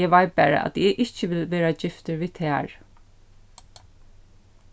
eg veit bara at eg ikki vil vera giftur við tær